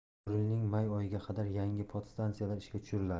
joriy yilning may oyiga qadar yangi podstantsiyalar ishga tushiriladi